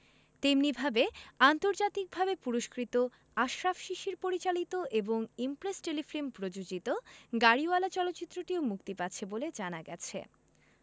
তেমনিভাবে আন্তর্জাতিকভাবে পুরস্কৃত আশরাফ শিশির পরিচালিত এবং ইমপ্রেস টেলিফিল্ম প্রযোজিত গাড়িওয়ালা চলচ্চিত্রটিও মুক্তি পাচ্ছে বলে জানা গেছে